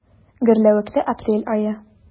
Гөрләвекле апрель ае.